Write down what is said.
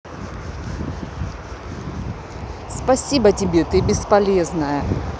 спасибо тебе ты бесполезная